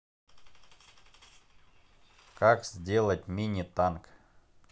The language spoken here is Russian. как сделать мини танк